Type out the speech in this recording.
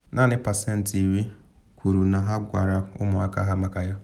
Naanị pasentị 10 kwuru na ha gwara ụmụaka ha maka ya.